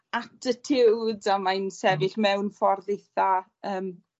attitude a mae'n sefyll mewn ffordd eitha yym